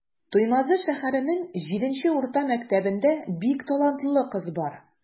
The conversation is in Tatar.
Туймазы шәһәренең 7 нче урта мәктәбендә бик талантлы кыз бар.